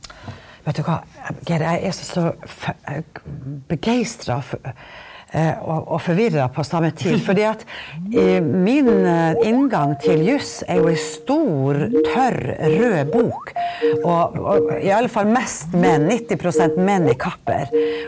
vet du hva jeg Geir jeg er så begeistra og og forvirra på samme tid fordi at min inngang til juss er jo ei stor, tørr, rød bok og og i alle fall mest menn 90% menn i kapper.